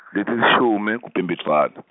letilishumi kuBhimbidvwane.